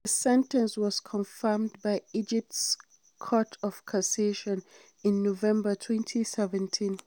His sentence was confirmed by Egypt’s Court of Cassation in November 2017.